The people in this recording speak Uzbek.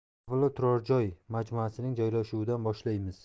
avvalo turar joy majmuasining joylashuvidan boshlaymiz